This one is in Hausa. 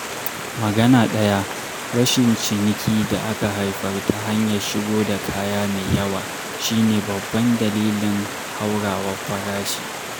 Magana daya, rashi ciniki da aka haifar ta hanyar shigo da kaya mai yawa shi ne babban dalilin hauhawar farashi.